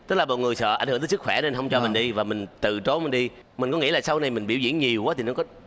tức là mọi người sợ ảnh hưởng tới sức khỏe nên không cho mình đi và mình tự trốn mình đi mình có nghĩ là sau này mình biểu diễn nhiều quá thì nó có